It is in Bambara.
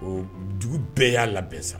O dugu bɛɛ y'a labɛn sa